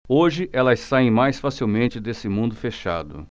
hoje elas saem mais facilmente desse mundo fechado